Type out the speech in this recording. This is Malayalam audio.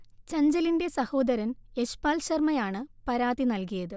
ചഞ്ചലിന്റെ സഹോദർ യശ്പാൽ ശർമ്മയാണ് പരാതി നൽകിയത്